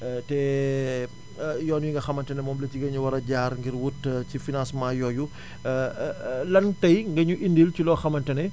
te yoon wi nga xamante ne moom la jigéen ñi war a jaar ngir wut ci financement yooyu lan tey nga ñu indil ci loo xamante ne